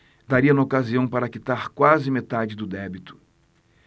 daria na ocasião para quitar quase metade do débito